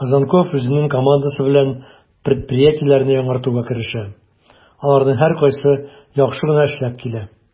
Козонков үзенең командасы белән предприятиеләрне яңартуга ирешә, аларның һәркайсы яхшы гына эшләп килә: